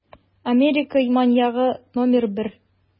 Америка маньягы № 1